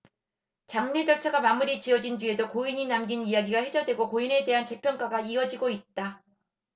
장례 절차가 마무리지어진 뒤에도 고인이 남긴 이야기가 회자되고 고인에 대한 재평가가 이어지고 있다